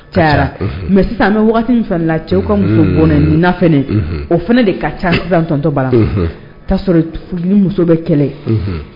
Mɛ sisan bɛ waati min la cɛw ka muso bɔn o fana de ka ca sisantɔntɔba' sɔrɔ muso bɛ kɛlɛ